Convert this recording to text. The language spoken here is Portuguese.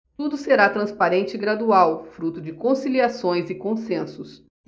tudo será transparente e gradual fruto de conciliações e consensos